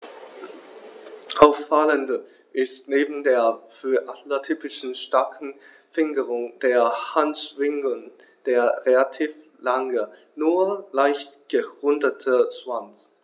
Auffallend ist neben der für Adler typischen starken Fingerung der Handschwingen der relativ lange, nur leicht gerundete Schwanz.